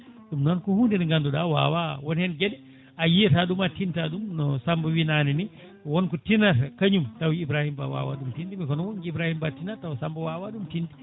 ɗum noon ko hunde nde ganduɗa wawa won hen gueɗe ayiyata ɗum a tinta ɗum no Samba wii nane ni wonko tianta kañum taw Ibrahima wawa ɗum tinde kono ɗum Ibrahima Ba tinat taw Samba wawa ɗum tinde